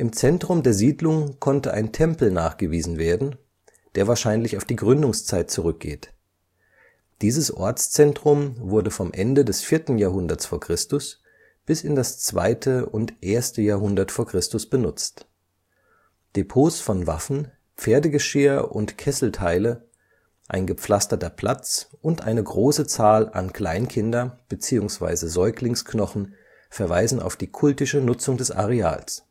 Zentrum der Siedlung konnte ein Tempel nachgewiesen werden, der wahrscheinlich auf die Gründungszeit zurückgeht. Dieses Ortszentrum wurde vom Ende des 4. Jahrhunderts v. Chr. bis in das 2. und 1. Jahrhundert v. Chr. benutzt. Depots von Waffen, Pferdegeschirr und Kesselteile, ein gepflasterter Platz und eine große Zahl an Kleinkinder - bzw. Säuglingsknochen verweisen auf die kultische Nutzung des Areals